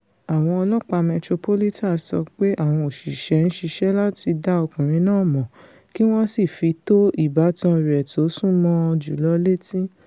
Àwọn Ọlọ́ọ̀pá Metropolitan sọ pé àwọn òṣìṣẹ́ ńṣiṣẹ́ láti dá ọkùnrin náà mọ̀ kí wọ́n sì fi tó ìbátan rẹ̀ tó súnmọ́ ọ́n jùlọ létí.